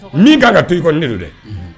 Min kan ka to i kɔni nin de don dɛ